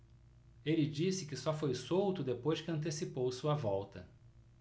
ele disse que só foi solto depois que antecipou sua volta